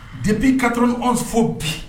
Depuis 91 fo bi